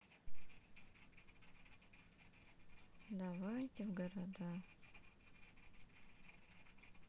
давайте в города